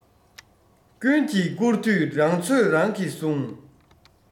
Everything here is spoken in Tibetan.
ཀུན གྱིས བཀུར དུས རང ཚོད རང གིས ཟུངས